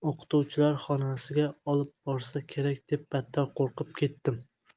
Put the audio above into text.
o'qituvchilar xonasiga olib borsa kerak deb battar qo'rqib ketdim